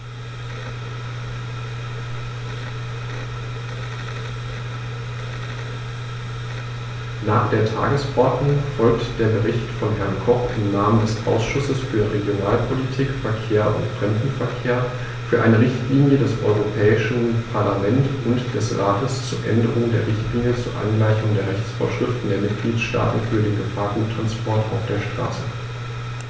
Nach der Tagesordnung folgt der Bericht von Herrn Koch im Namen des Ausschusses für Regionalpolitik, Verkehr und Fremdenverkehr für eine Richtlinie des Europäischen Parlament und des Rates zur Änderung der Richtlinie zur Angleichung der Rechtsvorschriften der Mitgliedstaaten für den Gefahrguttransport auf der Straße.